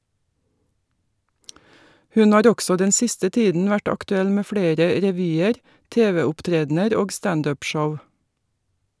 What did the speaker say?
Hun har også den siste tiden vært aktuell med flere revyer , tv-opptredener og stand up-show.